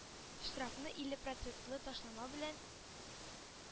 Штрафны илле процентлы ташлама белән,